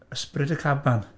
Ysbryd y Caban.